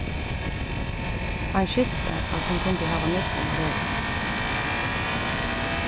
hann skilti at hon kundi hava nógv um at vera